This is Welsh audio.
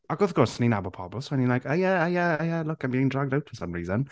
Ac wrth gwrs, o'n i'n nabod pobl, so o'n i'n like "Haia, haia, haia look, I'm being dragged out for some reason!"